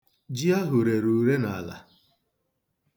Ji ahụ n'ere ure n'ala.